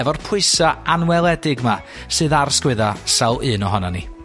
efo'r pwysa' anweledig 'ma sydd ar sgwydda sawl un ohonon ni.